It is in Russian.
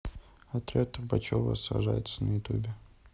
отряд трубачева сражается на ютубе